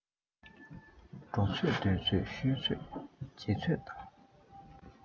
འགྲོ ཚོད སྡོད ཚོད ཤོད ཚོད བྱེད ཚོད དང